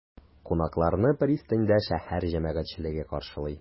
Кунакларны пристаньда шәһәр җәмәгатьчелеге каршылый.